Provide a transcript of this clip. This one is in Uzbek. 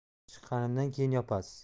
chiqqanimdan keyin yopasiz